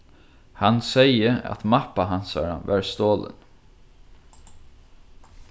hann segði at mappa hansara var stolin